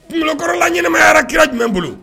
Kungolokɔrɔla ɲɛnamayara kira jumɛn bolo?